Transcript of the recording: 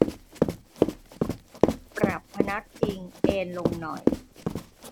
ปรับพนักพิงเอนลงหน่อย